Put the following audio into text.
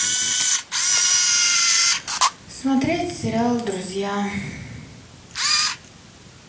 смотреть сериал друзья